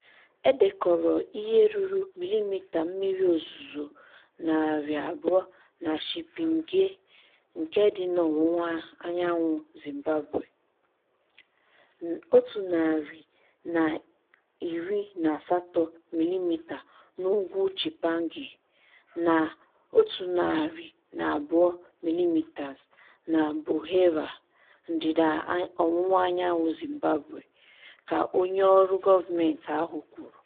"E dekọrọ ihe ruru milimita mmiri ozuzo 200 na Chipinge [nke dị n'ọwụwaanyanwụ Zimbabwe], 118 milimita n'ugwu Chipinge, na 102 milimitas na Buhera [ndịda ọwụwaanyanwụ Zimbabwe]," ka onyeọrụ gọọmentị ahụ kwuru.